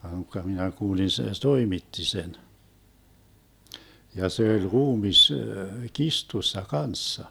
vaan unkka minä kuulin se toimitti sen ja se oli ruumis kirstussa kanssa